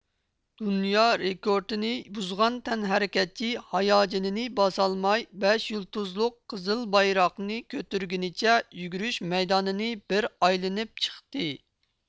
دۇنيا رېكورتىنى بۇزغان تەنھەرىكەتچى ھاياجېنىنى باسالماي بەش يۇلتۇزلۇق قىزىل بايراقنى كۆتۈرگىنىچە يۈگۈرۈش مەيدانىنى بىر ئايلىنىپ چىقتى